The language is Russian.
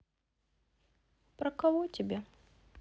про кого тебе